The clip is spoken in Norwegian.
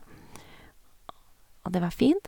Og det var fint.